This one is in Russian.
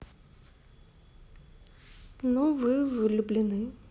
ну вы влюблены